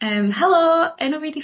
yym helo enw fi 'di...